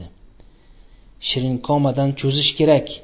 shirinkomadan cho'zish kerak